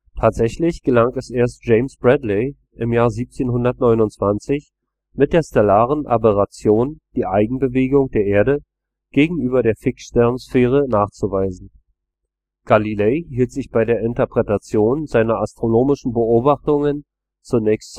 Tatsächlich gelang es erst James Bradley im Jahre 1729, mit der stellaren Aberration die Eigenbewegung der Erde gegenüber der Fixsternsphäre nachzuweisen. Galilei hielt sich bei der Interpretation seiner astronomischen Beobachtungen zunächst zurück